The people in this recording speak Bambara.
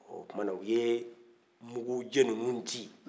o tumana u ye mugujɛ ninnu ci